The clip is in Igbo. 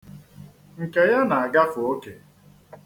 Nke ya na-agafe oke.